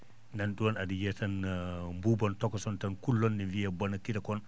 nan toon aɗa yiya tan buuboñ tokosoñ tan kulloñ ne wiyee bona kirirkon